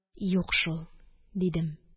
Юк шул, – дидем...